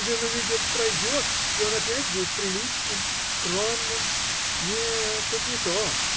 Да, но ведь это пройдет, и он опять будет приличным, скромным. Нет, тут не то!